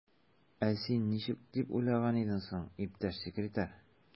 Ә син ничек дип уйлаган идең соң, иптәш секретарь?